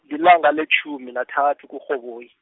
lilanga letjhumi nathathu kuRhoboyi.